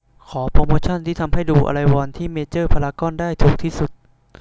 ขอโปรโมชันที่ทำให้ดูอะไรวอลที่เมเจอร์พารากอนได้ถูกที่สุด